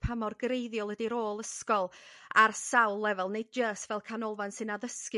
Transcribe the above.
pa mor greiddiol ydi rôl ysgol ar sawl lefel nid jyst fel canolfan sy'n addysgu